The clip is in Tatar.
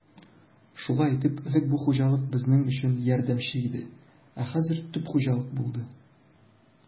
Шулай итеп, элек бу хуҗалык безнең өчен ярдәмче иде, ә хәзер төп хуҗалык булды.